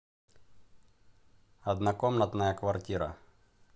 однокомнатная квартира